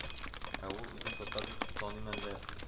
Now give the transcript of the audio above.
— ә ул үзен татар дип саныймы әллә